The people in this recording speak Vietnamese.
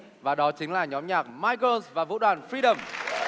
và đó chính là nhóm nhạc mai gơ và vũ đoàn phi đừm